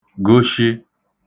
goshị